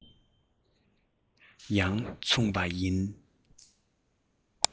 ཡང མཚུངས པ ཡིན